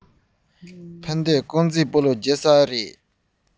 ཕ གི རྐང རྩེད སྤོ ལོ རྒྱག ས རེད པས